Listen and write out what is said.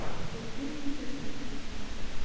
bultur xo'ja bilan qaytardik